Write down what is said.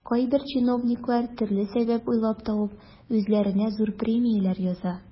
Кайбер чиновниклар, төрле сәбәп уйлап табып, үзләренә зур премияләр яза.